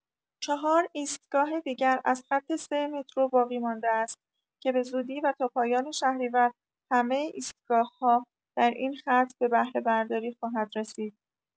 ۴ ایستگاه دیگر از خط ۳ مترو باقی‌مانده است که به‌زودی و تا پایان شهریور همه ایستگاه‌ها در این خط به بهره‌برداری خواهد رسید.